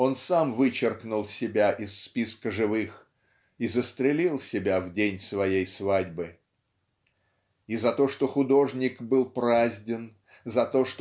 он сам вычеркнул себя из списка живых и застрелил себя в день своей свадьбы. И за то что художник был празден за то